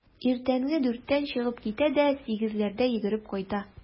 Иртәнге дүрттән чыгып китә дә сигезләрдә йөгереп кайта.